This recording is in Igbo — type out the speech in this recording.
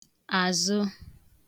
àzụ